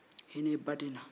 hinɛ i baden na